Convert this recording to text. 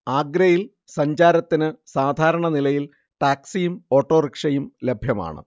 ആഗ്രയിൽ സഞ്ചാരത്തിന് സാധാരണ നിലയിൽ ടാക്സിയും ഓട്ടോറിക്ഷയും ലഭ്യമാണ്